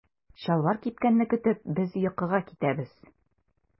Чалбар кипкәнне көтеп без йокыга китәбез.